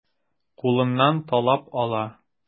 Кулыннан талап ала.